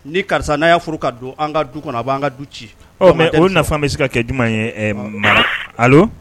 Ni karisa n'a y'a furu ka don an ka du kɔnɔ a b'an ka du ci mɛ olu na bɛ se ka kɛ jumɛn ye ma